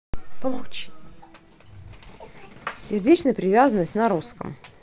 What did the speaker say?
сердечная привязанность на русском